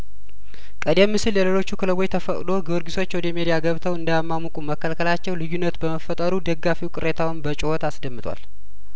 ቀደም ሲል ለሌሎቹ ክለቦች ተፈቅዶ ጊዮርጊሶች ወደ ሜዳ ገብተው እንዳያሟሙቁ መከልከላቸው ልዩነት በመፈጠሩ ደጋፊው ቅሬታውን በጩኸት አስደምጧል